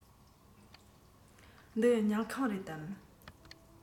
འདི ཉལ ཁང རེད དམ